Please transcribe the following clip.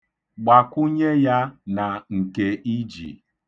Gbakwunye ya na nke i ji.